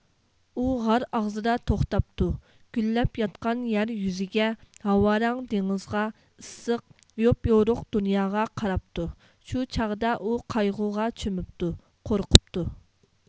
ئۇ غار ئاغزىدا توختاپتۇ گۈللەپ ياتقان يەر يۈزىگە ھاۋارەڭ دېڭىزغا ئىسسىق يوپيورۇق دۇنياغا قاراپتۇ شۇ چاغدا ئۇ قايغۇغا چۆمۈپتۇ قورقۇپتۇ